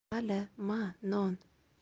vali ma non